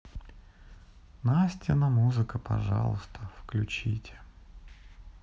настина музыка пожалуйста включите